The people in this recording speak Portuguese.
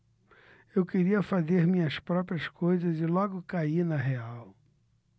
eu queria fazer minhas próprias coisas e logo caí na real